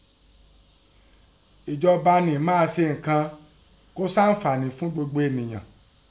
Ìjọ̀ba ni máa ṣe nǹkan kó máa ṣàǹfàní ko gbogbo ènìyàn.